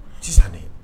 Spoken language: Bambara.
Sisan ne